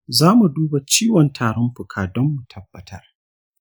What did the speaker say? zamu duba ciwon tarin fuka don mu tabbatar.